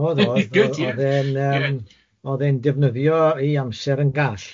Good ie. Odd odd oedd e'n yym oedd e'n defnyddio ei amser yn gall.